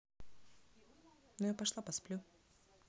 ну я пошла посплю